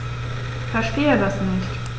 Verstehe das nicht.